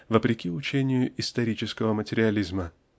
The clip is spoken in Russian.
вопреки учению исторического материализма.